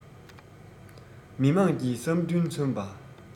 མི དམངས ཀྱི བསམ འདུན མཚོན པ